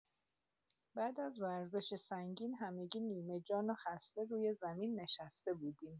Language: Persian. بعد از ورزش سنگین، همگی نیمه‌جان و خسته روی زمین نشسته بودیم.